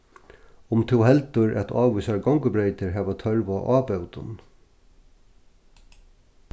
um tú heldur at ávísar gongubreytir hava tørv á ábótum